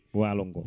walo ngo